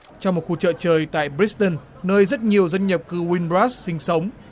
trong một khu chợ trời tại bờ rít tưn nơi rất nhiều dân nhập cư uyn bờ rát sinh sống